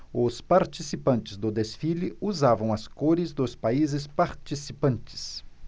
os participantes do desfile usavam as cores dos países participantes